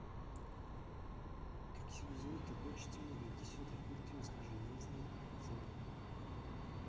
как его зовут то дочь тимура иди сюда хоть ты мне скажи я не знаю как его зовут